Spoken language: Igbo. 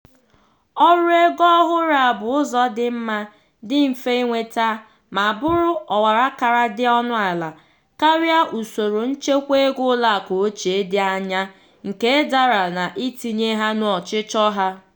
Ọrụ ego ọhụrụ a bụ ụzọ dị mma, dị mfe inweta ma bụrụ ọwara kara dị ọnụala, karịa usoro nchekwaego ụlọakụ ochie 'dị anya' nke dara n'itinye ha n'ọchịchọ ha.